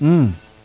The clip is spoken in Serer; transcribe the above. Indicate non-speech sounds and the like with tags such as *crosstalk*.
*hesitation* *hesitation*